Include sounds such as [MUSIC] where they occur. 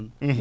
[HESITATION] [HESITATION]